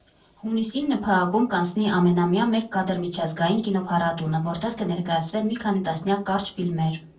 Հունիսին ՆՓԱԿ֊ում կանցնի ամենամյա «Մեկ կադր» միջազգային կինոփառատոնը, որտեղ կներկայացվեն մի քանի տասնյակ կարճ ֆիլմեր։